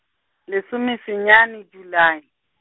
lesomesenyane Julae.